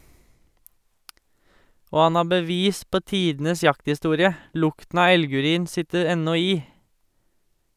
Og han har bevis på tidenes jakthistorie - lukten av elgurin sitter ennå i.